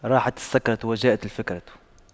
راحت السكرة وجاءت الفكرة